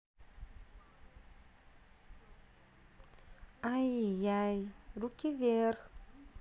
ай я яй руки вверх